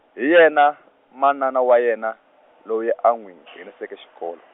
hi yena, manana wa yena, loyi a nwi , nghenisaka xikolo.